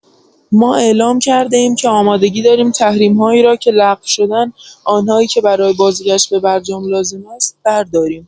ما اعلام کرده‌ایم که آمادگی داریم تحریم‌هایی را که لغو شدن آن‌هایی که برای بازگشت به برجام لازم است، برداریم.